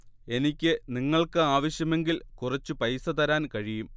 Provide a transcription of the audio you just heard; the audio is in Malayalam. എനിക്ക് നിങ്ങൾക്ക് ആവശ്യമെങ്കിൽ കുറച്ചു പൈസ തരാൻ കഴിയും